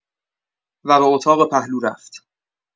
و به اطاق پهلو رفت.